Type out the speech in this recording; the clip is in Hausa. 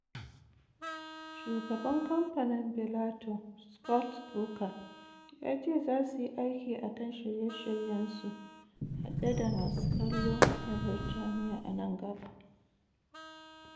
Shugaban kamfanin Bellator, Scott Coker, ya ce za su yi aiki a kan shirye-shiryen su hade da masu kallo na Birtaniya a nan gaba.